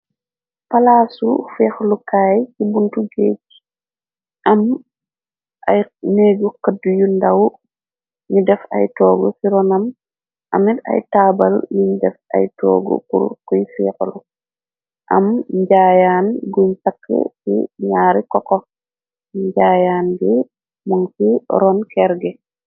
palaasu feixlukaay ci buntu geej am neegu xëd yu ndaw ñi def ay toogu ci ronam amir ay taabal yiñ def ay toogu kur kuy feexlu am njaayaan guñ takk ci ñaari kokox njaayaan bi mon ci ron kerge.